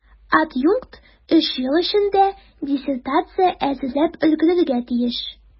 Адъюнкт өч ел эчендә диссертация әзерләп өлгерергә тиеш.